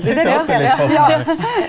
det er også litt fascinerende .